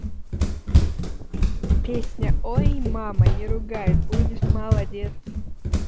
песня ой мама не ругай будешь молодец